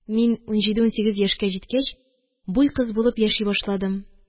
Мин унҗиде-унсигез яшькә җиткәч, буй кыз булып яши башладым.